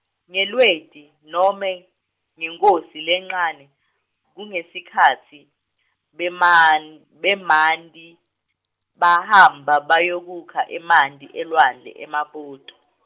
NgeLweti nome ngeNkhosi lencane kungesikhatsi beman- bemanti bahamba bayokukha emanti elwandle eMaputo.